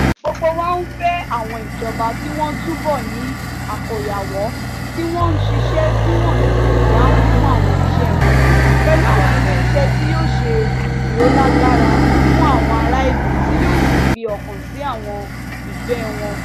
Gbogbo wa ń fẹ́ àwọn ìjọba tí wọ́n túbọ̀ ní àkóyawọ́, tí wọ́n ń ṣiṣẹ́ tí wọ́n sì lè dáhùn fún àwọn iṣẹ́ wọn — pẹ̀lú àwọn ilé-iṣẹ́ tí yóò ṣe ìrólágbára fún àwọn ará-ìlú tí yóò sì fi ọkàn sí àwọn ìfẹ́ wọn.